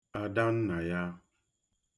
Àdannàya